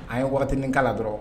A ye wagatinin k'a la dɔrɔnw